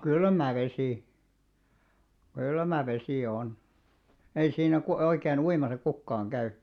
kylmä vesi kylmä vesi on ei siinä - oikein uimassa kukaan käy